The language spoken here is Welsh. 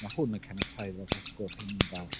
Ma' hwn yn caniatáu iddo fo gael sgôp enfawr.